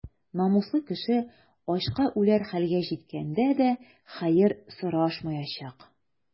Намуслы кеше ачка үләр хәлгә җиткәндә дә хәер сорашмаячак.